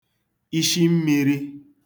ishi mmīrī